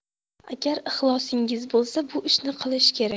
agar ixlosingiz bo'lsa bu ishni qilish kerak